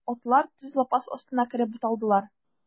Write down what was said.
Атлар төз лапас астына кереп буталдылар.